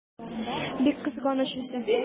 Бик кызганыч үзе!